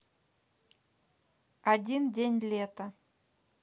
один день лета